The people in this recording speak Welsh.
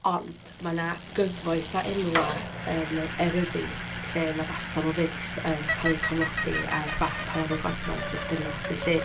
Ond ma' 'na gyfoeth o enwau yn Eryri lle na fasen nhw fyth yn cael eu cofnodi ar fap arolwg ordnans beth bynnag felly.